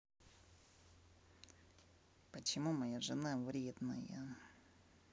почему моя жена вредная